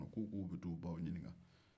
k'u bɛ taa u baw ɲinika